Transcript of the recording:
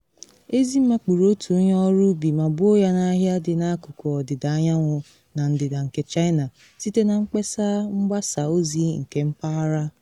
Ezi makpuru otu onye ọrụ ubi ma gbuo ya n’ahịa dị na akụkụ ọdịda anyanwụ na ndịda nke China, site na mkpesa mgbasa ozi nke mpaghara.